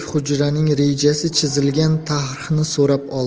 hujraning rejasi chizilgan tarhni so'rab oldi